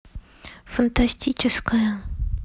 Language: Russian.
фантастическая